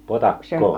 potakkaa